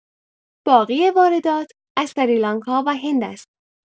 باقی واردات از سریلانکا و هند است.